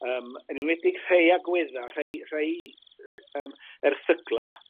yym yn enwedig rhei agwedda' rhei rhei yym erthygla